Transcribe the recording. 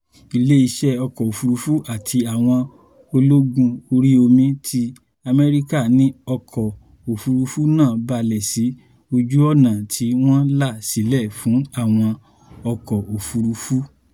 Ilé-iṣẹ́ ọkọ̀-òfúrufú àti àwọn ológun orí-omí ti Amẹ́ríkà ní ọkọ̀-òfúrufú náà balẹ̀ sí ojú-ọ̀nà tí wọ́n là sílẹ̀ fún àwọn ọkọ̀-òfúrufú.